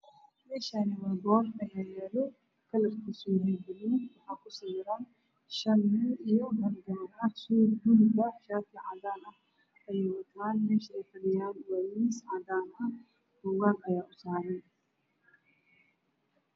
me Shani boor aya yalo waxa ku sawiran Shan wiil iyo Hal gabar ah shati cadan ah ayeey watan me shey fa dhiyaan waa miis wacadan ah bugaag ayaa usaaran